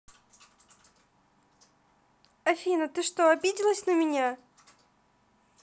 афина ты что обиделась на меня